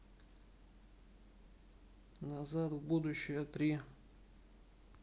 назад в будущее три